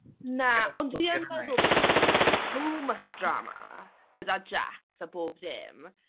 Na ond dwi yn meddwl there was so much drama gyda Jaques a bob dim.